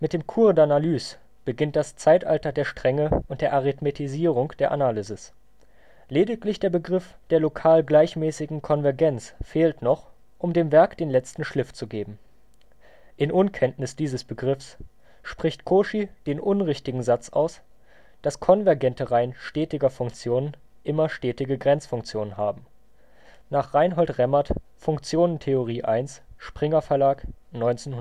dem Cours d’ Analyse beginnt das Zeitalter der Strenge und der Arithmetisierung der Analysis. Lediglich der Begriff der (lokal) gleichmäßigen Konvergenz fehlt noch, um dem Werk den letzten Schliff zu geben. In Unkenntnis dieses Begriffs spricht Cauchy den unrichtigen Satz aus, dass konvergente Reihen stetiger Funktionen immer stetige Grenzfunktionen haben (nach Reinhold Remmert, Funktionentheorie I, Springer-Verlag, 1984